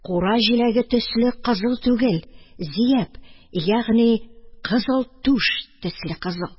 Кура җиләге төсле кызыл түгел, зияб, ягъни кызыл түш төсле кызыл.